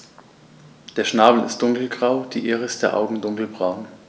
Der Schnabel ist dunkelgrau, die Iris der Augen dunkelbraun.